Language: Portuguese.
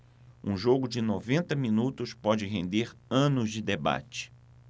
um jogo de noventa minutos pode render anos de debate